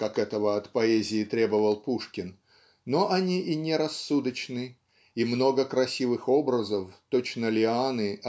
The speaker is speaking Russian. как этого от поэзии требовал Пушкин но они и не рассудочны и много красивых образов точно лианы